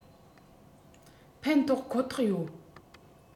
ཕན ཐོགས ཁོ ཐག ཡོད